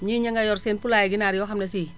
ñii ñu nga yor seen poulailler ginaar yoo xam ne sii